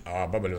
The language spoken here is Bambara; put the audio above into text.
Aa ba